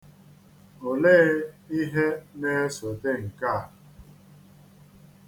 Olee ihe na-esote nke a?